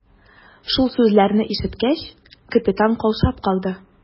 Шул сүзләрне ишеткәч, капитан каушап калды.